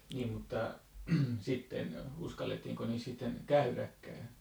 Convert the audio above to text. niin mutta sitten uskallettiinko niissä sitten käydäkään